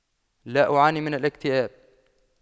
لا أعاني من الاكتئاب